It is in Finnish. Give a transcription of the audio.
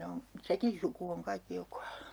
ne on sekin suku on kaikki jo kuollut